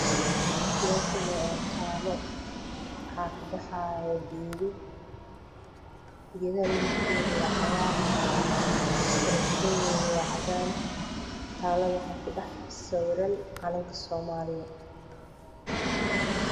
Meeshani waataalo waxa kabaxaya geedo geedaha midabkoodu waa cagaar jaran jaradeedu waa cadaan taalada waxa ku dhax sawiran calanka soomaaliya